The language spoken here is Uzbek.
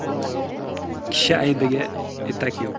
kishi aybiga etak yop